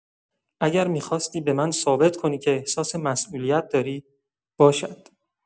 اگر می‌خواستی به من ثابت کنی که احساس مسئولیت داری، باشد.